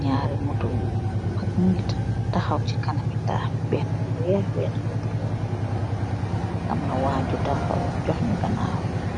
nyarri motor yuu makk nyewgeih tahow ce kanami taahh bi, behna bu weeh ak behna bu bulo amna wajji bu tahow johheh ganawwu.